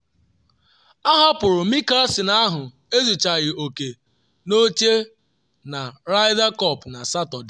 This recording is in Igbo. Ahapụrụ Mickelson ahụ ezuchaghị oke n’oche na Ryder Cup na Satọde